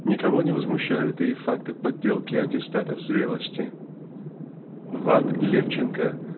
Никого не возмущают и факты подделки аттестатов зрелости. Вад. Левченко